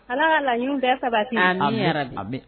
Allah ka laɲiniw bɛɛ sabati, amin, ya rabbi, amin